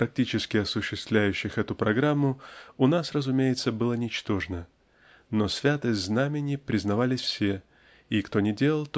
практически осуществлявших эту программу и у нас разумеется было ничтожно но святость знамени признавали все и кто не делал